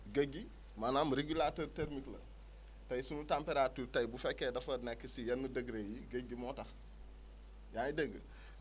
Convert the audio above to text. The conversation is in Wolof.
géej gi maanaam régulateur termique la tey suñu température tey bu fekkee dafa nekk si yenn degré yi géej gi moo tax yaa ngi dégg